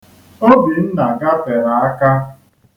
Obinna gatere aka.